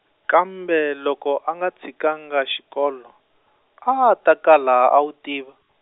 kambe loko a nga tshikanga xikolo, a a ta kala a wu tiva.